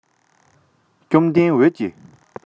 བཅོམ ལྡན འདས ཀྱིས